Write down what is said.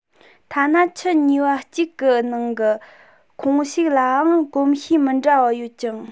ཐ ན ཁྱུ གཉིས པ གཅིག གི ནང གི ཁོངས ཞུགས ལའང གོམས གཤིས མི འདྲ བ ཡོད ཅིང